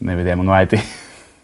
...neu fydd 'i am yng ngwaed i.